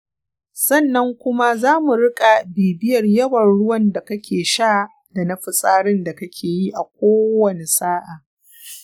sannan kuma, za mu riƙa bibiyar yawan ruwan da kake sha da na fitsarin da kake yi a kowane sa'a.